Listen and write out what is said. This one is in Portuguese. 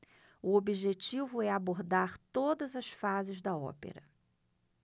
o objetivo é abordar todas as fases da ópera